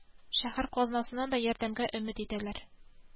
Шәһәр казнасыннан да ярдәмгә өмет итәләр